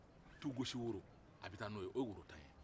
tugosiworo a bɛ taa n'o ye o ye worotan ye